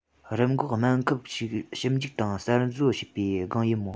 རིམས འགོག སྨན ཁབ ཞིབ འཇུག དང གསར བཟོ བྱེད པའི སྒང ཡིན མོད